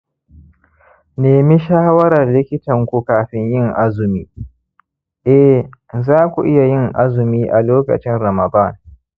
nemi shawarar likitanku kafin yin azumi/eh, za ku iya yin azumi a lokacin ramadan